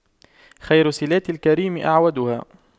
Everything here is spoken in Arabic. خير صِلاتِ الكريم أَعْوَدُها